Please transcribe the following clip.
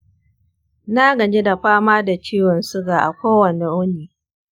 na gaji da fama da ciwon suga a kowane wuni.